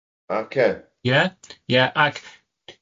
Ocê... Ie? Ie, ac